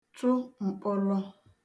tụ mkpọlọ